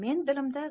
men dilimda